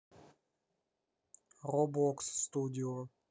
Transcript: роблокс студио